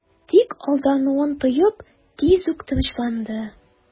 Тик алдануын тоеп, тиз үк тынычланды...